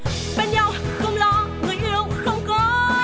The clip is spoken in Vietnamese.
bên nhau không lo người yêu không có